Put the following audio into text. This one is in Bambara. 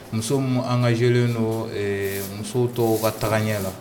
Muso mun engagé len don ɛɛ muso tɔw ka tagaɲɛ la